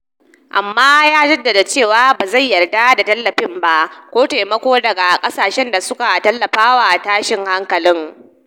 Amma, ya jaddada cewa, ba zai yarda da tallafi ba, ko taimako daga kasashen da suka tallafa wa tashin hankalin.